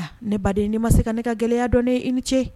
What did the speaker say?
Ne baden n nei ma se ka ne ka gɛlɛyaya dɔn ye i ni ce